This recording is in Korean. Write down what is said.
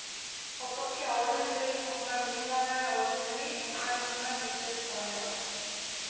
어떻게 어른들이 정말 우리나라의 어른들이 정말정말 못됐어요